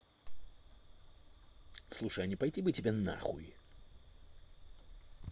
слушай а не пойти бы тебе нахуй